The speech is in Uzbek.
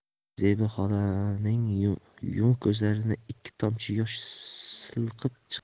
zebi xolaning yumuq ko'zlaridan ikki tomchi yosh silqib chiqdi